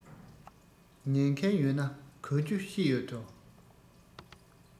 ཉན མཁན ཡོད ན གོ རྒྱུ བཤད ཡོད དོ